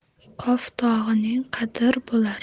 qof tog'ini qodir bilar